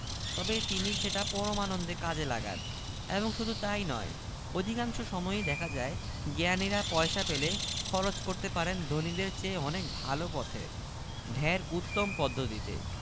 তবে তিনি সেটা পরমানন্দে কাজে লাগান এবং শুধু তাই নয় অধিকাংশ সময়েই দেখা যায় জ্ঞানীরা পয়সা পেলে খরচ করতে পারেন ধনীদের চেয়ে অনেক ভালো পথে ঢের উত্তম পদ্ধতিতে